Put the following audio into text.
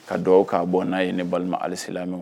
Ka dugawu k'a bɔnna ye ne balima alisilamɛw